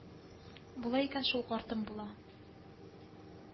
Эт өрергә тотынды.